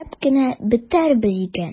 Нишләп кенә бетәрбез икән?